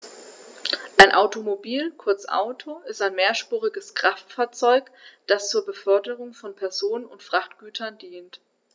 Ein Automobil, kurz Auto, ist ein mehrspuriges Kraftfahrzeug, das zur Beförderung von Personen und Frachtgütern dient.